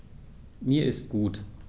Mir ist gut.